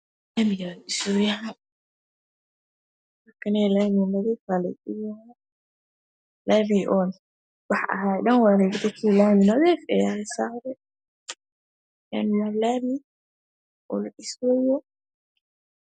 Halkan waa lami dhismo kusocoyo